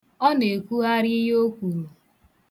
Ọ na-ekwugharị ihe o kwuru.